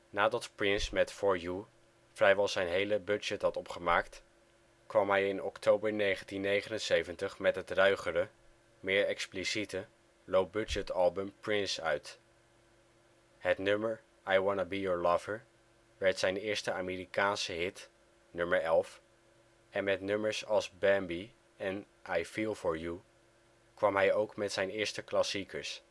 Nadat Prince met For You vrijwel zijn hele budget had opgemaakt, kwam hij in oktober 1979 met het ruigere, meer expliciete, low-budget album Prince uit. Het nummer I Wanna Be Your Lover werd zijn eerste Amerikaanse hit (nummer 11) en met nummers zoals Bambi en I Feel For You kwam hij ook met zijn eerste klassiekers